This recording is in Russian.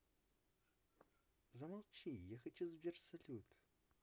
замолчи я хочу сбер салют